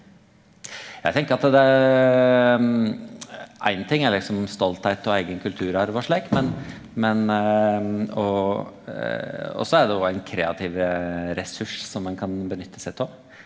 eg tenker at det ein ting er liksom stoltheit og eigen kulturarv og slik, men men og også er det óg ein kreativ ressurs som ein kan nytte seg av.